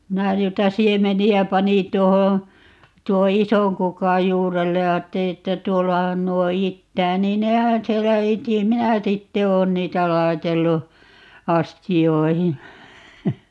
minä noita siemeniä panin tuohon tuon ison kukan juurelle ja ajattelin että tuollahan nuo itää niin nehän siellä iti minä sitten olen niitä laitellut astioihin